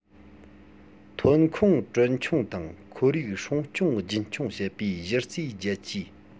ཐོན ཁུངས གྲོན ཆུང དང ཁོར ཡུག སྲུང སྐྱོང རྒྱུན འཁྱོངས བྱེད པའི གཞི རྩའི རྒྱལ ཇུས